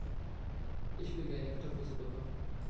Ich will gerne Kartoffelsuppe kochen.